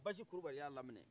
basi kulubali y' a laminɛ